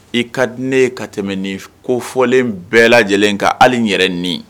I ka di ne ka tɛmɛ nin kofɔlen bɛɛ lajɛlen ka hali yɛrɛ nin